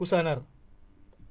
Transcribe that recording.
Kousanaar